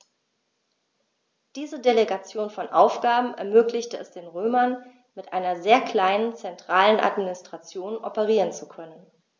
Diese Delegation von Aufgaben ermöglichte es den Römern, mit einer sehr kleinen zentralen Administration operieren zu können.